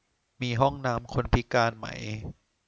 มีห้องน้ำคนพิการไหม